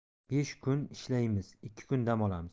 besh kun ishlamaymiz ikki kun dam olamiz